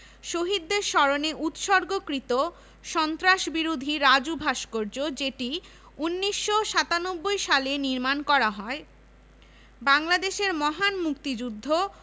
১৯৯২ professor Md Innas Ali পদার্থবিজ্ঞান বিভাগ বিজ্ঞান ও প্রযুক্তি ১৯৯০ শফিউদ্দীন আহমেদ চারুকলা অনুষদ